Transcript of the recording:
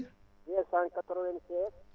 296